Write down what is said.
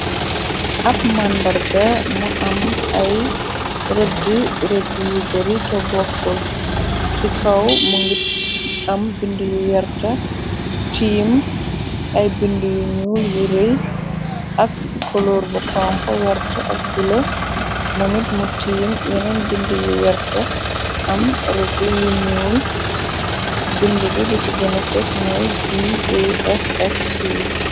Ab màndarga, mu am ay rëddi rëddi yu bari, te bokkul, ci kaw mu ngit am bind yu werta, tiim ay bind yu ñul yu rëy, ak koloor bu xonk, wert ak bula, mu mit mu tiim yeneen bind yu werta, am rëdd yuñuul, bind bi lu ci gëna fos mooy gaffc.